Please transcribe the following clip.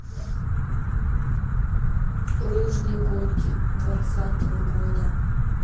лыжные гонки двадцатого года